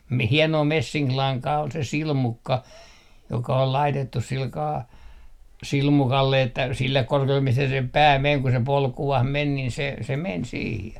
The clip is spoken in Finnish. - hienoa messinkilankaa oli se silmukka joka oli laitettu sillä kalella silmukalle että sille korkeudelle mistä sen pää meni kun se polkuun meni niin se se meni siihen